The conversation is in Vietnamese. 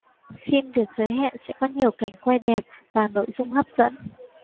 phim được hứa hẹn sẽ có nhiều cảnh quay đẹp và nội dung hấp dẫn